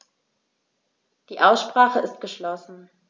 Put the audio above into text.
Die Aussprache ist geschlossen.